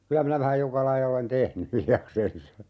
kyllä minä vähän joka lajia olen tehnyt hiljakseen